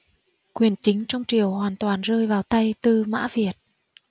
quyền chính trong triều hoàn toàn rơi vào tay tư mã việt